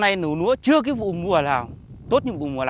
nay vụ lúa chưa thấy vụ mùa nào tốt như vụ mùa lày